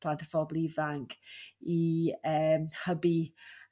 plant a phobl ifainc i eem hybu